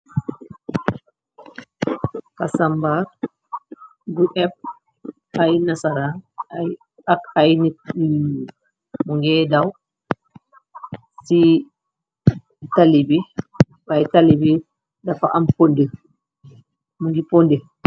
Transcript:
Kasambaar bu epp ay nasaran ak ay nit yu nyool. Mu ngi daw ci tali bi way talibi dafa am ponde mu ngi ponde.